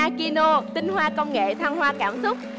a ki nô tinh hoa công nghệ thăng hoa cảm xúc